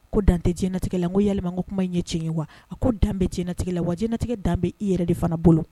Ko dantɛɲɛnatigɛ la ko yɛlɛma ko kuma in ɲɛ tiɲɛ ye wa a ko dan bɛɛ tiɲɛnatigɛ la wa jinɛɲɛnatigɛ dan i yɛrɛ de fana bolo